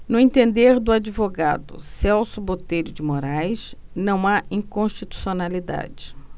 no entender do advogado celso botelho de moraes não há inconstitucionalidade